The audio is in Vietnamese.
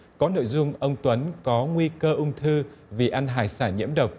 có nội dung ông tuấn có nguy cơ ung thư vì ăn hải sản nhiễm độc